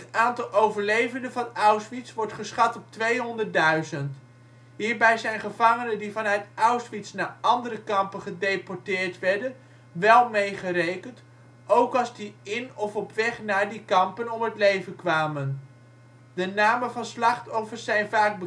aantal overlevenden van Auschwitz wordt geschat op 200 000. Hierbij zijn gevangenen die vanuit Auschwitz naar andere kampen gedeporteerd werden wel meegerekend, ook als die in of op weg naar die kampen om het leven kwamen. De namen van slachtoffers zijn vaak